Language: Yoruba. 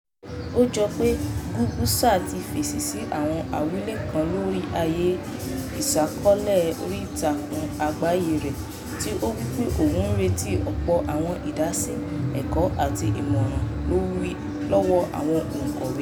Ó jọ pé Guebuza ti fèsì sí àwọn àwílé kan lórí àyè ìṣàkọọ́lẹ̀ oríìtakùn àgbáyé rẹ, tí ó wí pé òun ń retí ọ̀pọ̀ "àwọn ìdásí, ẹ̀kọ́ àti àmọ̀ràn" lọ́wọ́ àwọn òǹkàwé.